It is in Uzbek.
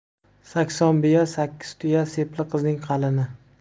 sakson biya sakkiz tuya sepli qizning qalini